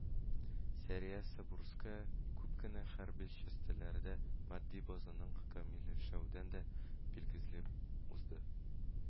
Сәрия Сабурская күп кенә хәрби частьләрдә матди базаның камилләшүен дә билгеләп узды